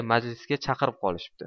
majlisga chaqirib qolishibdi